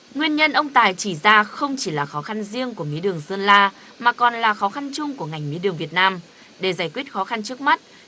nguyên nhân ông tài chỉ ra không chỉ là khó khăn riêng của mía đường sơn la mà còn là khó khăn chung của ngành mía đường việt nam để giải quyết khó khăn trước mắt